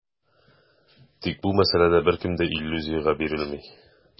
Тик бу мәсьәләдә беркем дә иллюзиягә бирелми.